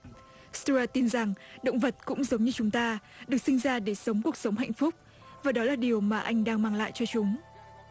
sua a tin rằng động vật cũng giống như chúng ta được sinh ra để sống cuộc sống hạnh phúc và đó là điều mà anh đang mang lại cho chúng